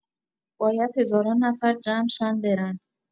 باید هزاران نفر جمع شن برن